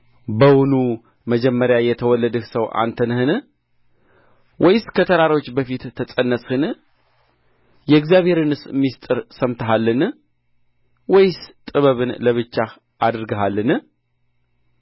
በውኑ መጀመሪያ የተወለድህ ሰው አንተ ነህን ወይስ ከተራሮች በፊት ተፀነስህን የእግዚአብሔርንስ ምሥጢር ሰምተሃልን ወይስ ጥበብን ለብቻህ አድርገሃልን